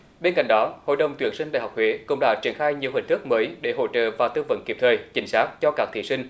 bên cạnh đó hội đồng tuyển sinh đại học huế cũng đã triển khai nhiều hình thức mới để hỗ trợ và tư vấn kịp thời chính xác cho các thí sinh